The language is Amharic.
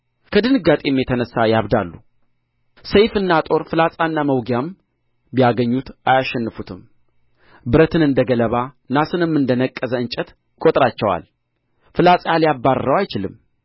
ከድንጋጤም የተነሣ ያብዳሉ ሰይፍና ጦር ፍላጻና መውጊያም ቢያገኙት አያሸንፉትም ብረትን እንደ ገለባ ናስንም እንደ ነቀዘ እንጨት ይቈጥራቸዋል ፍላጻ ሊያባርረው አይችልም